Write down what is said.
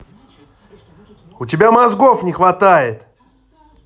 у тебя мозгов не хватит